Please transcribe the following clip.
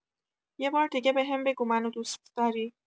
یه بار دیگه بهم بگو منو دوست‌داری